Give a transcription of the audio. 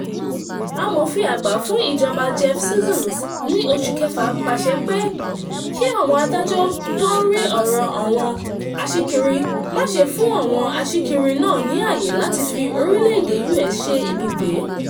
Amòfin àgbà fún ìjọba Jeff Sessions ní oṣù kẹfà pàṣẹ kí àwọn adájọ́ tó ń rí ọ̀rọ̀ àwọn aṣíkiri má ṣe fún àwọn aṣíkiri náà ni àyè láti fi orílẹ̀èdè US ṣe ibùgbé.